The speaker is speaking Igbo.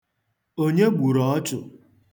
Onye gburu ọchụ?